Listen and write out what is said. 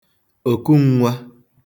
òkun̄nwā